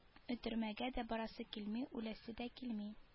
Өтөрмәгә дә барасы килми үләсе дә килми